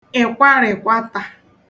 ị̀kwarị̀kwatà